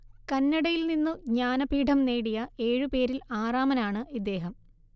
കന്നഡയിൽ നിന്നു ജ്ഞാനപീഠം നേടിയ ഏഴുപേരിൽ ആറാമൻ ആണ് ഇദ്ദേഹം